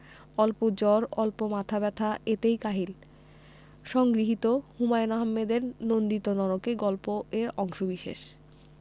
অল্প জ্বর অল্প মাথা ব্যাথা এতেই কাহিল সংগৃহীত হুমায়ুন আহমেদের নন্দিত নরকে গল্প এর অংশবিশেষ